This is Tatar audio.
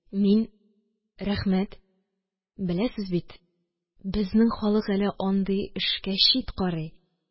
Мин: – Рәхмәт, беләсез бит, безнең халык әле андый эшкә чит карый.